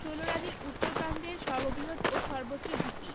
শৈলরাজির উত্তর প্রান্তের সর্ববৃহৎ ও সর্বোচ্চ ঢিবি